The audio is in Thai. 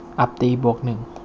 อัพตีบวกหนึ่ง